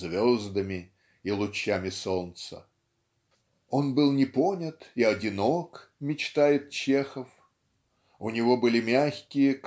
звездами и лучами солнца" он был непонят и одинок мечтает Чехов у него были мягкие